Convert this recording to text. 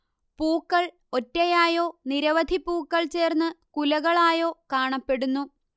പൂക്കൾ ഒറ്റയായോ നിരവധി പൂക്കൾ ചേർന്ന് കുലകളായോ കാണപ്പെടുന്നു